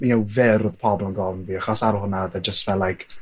you know fel odd pobol yn gofyn i fi achos ar ôl hwnna odd e jyst fel like